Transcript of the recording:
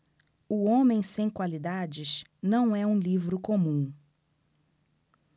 o homem sem qualidades não é um livro comum